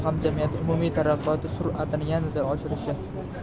hamjamiyati umumiy taraqqiyoti sur atini yanada oshirishi